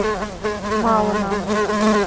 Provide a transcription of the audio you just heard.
мало нам